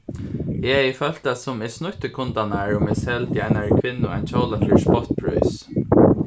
eg hevði følt tað sum eg snýtti kundarnar um eg seldi einari kvinnu ein kjóla fyri spottprís